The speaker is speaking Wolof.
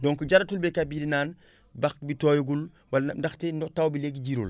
donc jaratul baykat bi di naan bàq bi tooyagul wala ndaxte ndo taw bi léegi jiiróo la